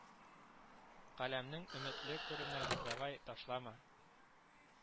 Каләмең өметле күренә, давай, ташлама